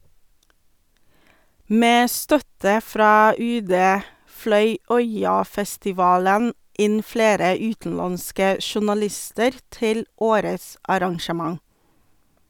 Med støtte fra UD fløy Øyafestivalen inn flere utenlandske journalister til årets arrangement.